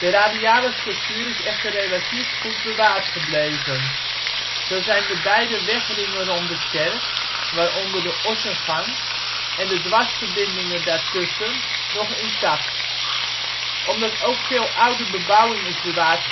radiale structuur is echter relatief goed bewaard gebleven. Zo zijn de beide wegringen rond de kerk (waaronder de ossengang) en de dwarsverbindingen daartussen nog intact. Omdat ook veel oude bebouwing is bewaard